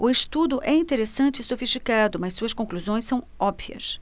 o estudo é interessante e sofisticado mas suas conclusões são óbvias